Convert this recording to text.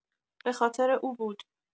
به‌خاطر او بود.